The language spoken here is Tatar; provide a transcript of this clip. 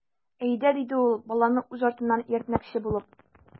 Әйдә,— диде ул, баланы үз артыннан ияртмөкче булып.